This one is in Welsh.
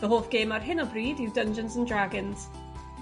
Fy hoff gêm ar hyn o bryd yw Dungeons and Dragons